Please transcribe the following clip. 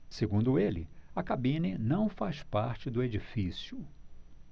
segundo ele a cabine não faz parte do edifício